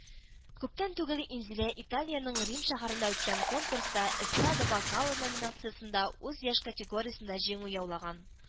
Күптән түгел Инзилә Италиянең Рим шәһәрендә үткән конкурста Эстрада вокалы номинациясендә үз яшь категориясендә җиңү яулаган